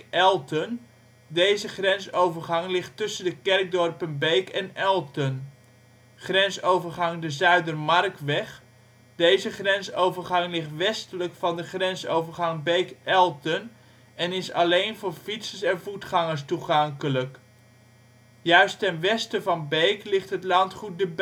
Elten. Deze grensovergang ligt tussen de kerkdorpen Beek en Elten. Grensovergang de Zuidermarkweg. Deze grensovergang ligt westelijk van de grensovergang Beek / Elten en is alleen voor fietsers en voetgangers toegankelijk. Juist ten westen van Beek ligt het landgoed de